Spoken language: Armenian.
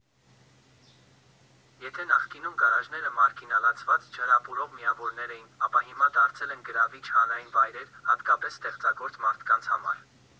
Եթե նախկինում գարաժները մարգինալացված, չհրապուրող միավորներ էին, ապա հիմա դարձել են գրավիչ հանրային վայրեր, հատկապես ստեղծագործ մարդկանց համար։